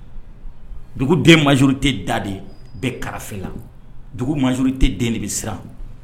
Dugu bɛɛ ma tɛ da de bɛɛ karafe la dugu ma tɛ den de bɛ siran